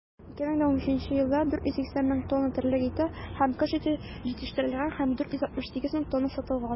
2015 елда 488 мең тонна терлек ите һәм кош ите җитештерелгән һәм 468 мең тонна сатылган.